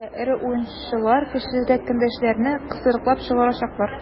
Югыйсә эре уенчылар көчсезрәк көндәшләрне кысрыклап чыгарачаклар.